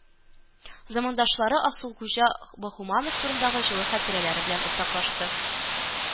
Замандашлары Асылгужа Баһуманов турындагы җылы хатирәләре белән уртаклашты